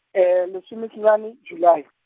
lesomesenyane, Julae.